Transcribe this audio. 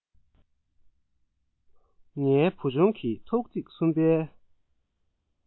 ངའི བུ ཆུང གིས ཐོག བརྩེགས གསུམ པའི